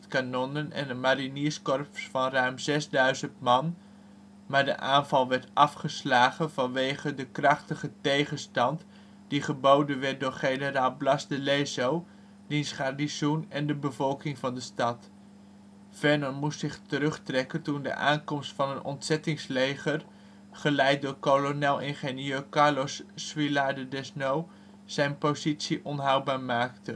kanonnen en een marinierskorps van ruim 6.000 man, maar de aanval werd afgeslagen vanwege de krachtige tegenstand die geboden werd door generaal Blas de Lezo, diens garnizoen en de bevolking van de stad. Vernon moest zich terugtrekken toen de aankomst van een ontzettingsleger, geleid door kolonel-ingenieur Carlos Suillars de Desnaux, zijn positie onhoudbaar maakte